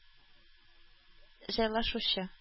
Җайлашучы